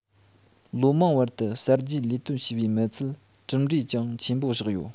ལོ མང བར དུ གསར བརྗེའི ལས དོན བྱས པས མི ཚད གྲུབ འབྲས ཀྱང ཆེན པོ བཞག ཡོད